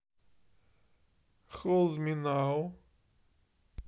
холд ми нау